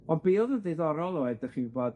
On' be' o'dd yn ddiddorol oedd, 'dach chi'n gwbod,